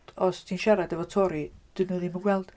Os ti'n siarad efo Tory dydyn nhw ddim yn gweld.